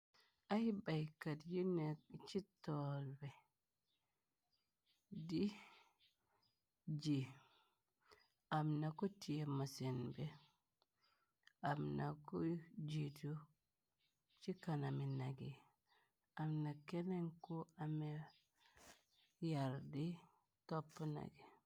Ay baykat yu nekk ci toolbe di ji amna ku téema seen bi am na ku jiitu ci kanami nagi amna kenen ku ame yar di topp nagi.